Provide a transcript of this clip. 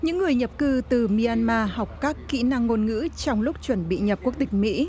những người nhập cư từ my an ma học các kỹ năng ngôn ngữ trong lúc chuẩn bị nhập quốc tịch mỹ